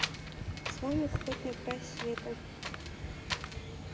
с вами хоть на край света